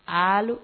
Allo